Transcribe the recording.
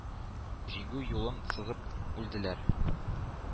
Җиңү юлын сызып үлделәр.